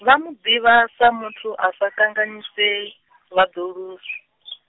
vha mu ḓivha, sa muthu a sa kanganyisei, vha ḓo lusi.